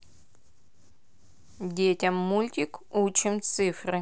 детям мультик учим цифры